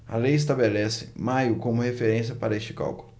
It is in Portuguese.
a lei estabelece maio como referência para este cálculo